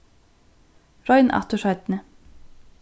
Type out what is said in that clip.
royn aftur seinni